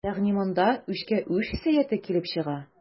Ягъни монда үчкә-үч сәясәте килеп чыга.